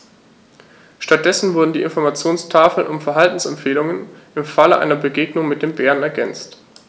Stattdessen wurden die Informationstafeln um Verhaltensempfehlungen im Falle einer Begegnung mit dem Bären ergänzt.